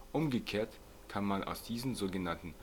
Umgekehrt kann man aus diesem so genannten